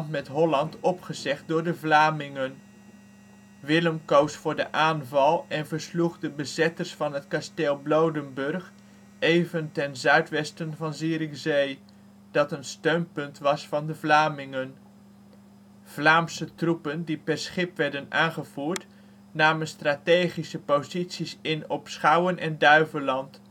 met Holland opgezegd door de Vlamingen. Willem koos voor de aanval en versloeg de bezetters van het kasteel Blodenburg, even ten zuidwesten van Zierikzee, dat een steunpunt was van de Vlamingen. Vlaamse troepen die per schip werden aangevoerd, namen strategische posities in op Schouwen en Duiveland